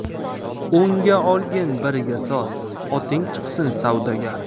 o'nga olgin birga sot oting chiqsin savdogar